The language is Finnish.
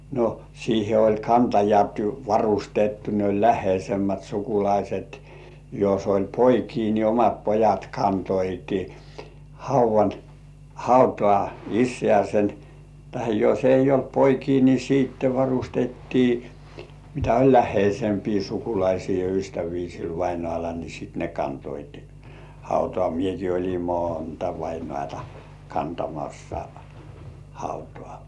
no siihen oli kantajat varustettu ne oli läheisemmät sukulaiset jos oli poikia niin omat pojat kantoivat haudan hautaan isäänsä tai jos ei ollut poikia niin sitten varustettiin mitä oli läheisempiä sukulaisia ja ystäviä sillä vainajalla niin sitten ne kantoivat hautaan minäkin olin monta vainajaa kantamassa hautaan